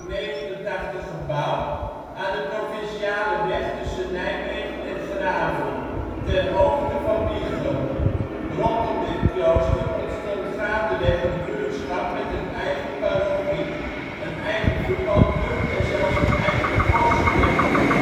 1886 en 1889 gebouwd aan de provinciale weg tussen Nijmegen en Grave ter hoogte van Wijchen. Rondom dit klooster ontstond gaandeweg een buurtschap met een eigen parochie, een eigen voetbalclub en zelfs een eigen poststempel